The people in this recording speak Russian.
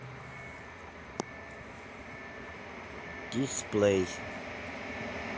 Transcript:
дисплей